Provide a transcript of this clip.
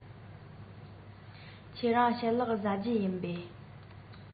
ཁྱེད རང ཞལ ལག མཆོད རྒྱུ བཟའ རྒྱུ ཡིན པས